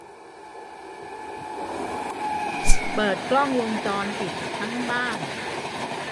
เปิดกล้องวงจรปิดทั้งบ้าน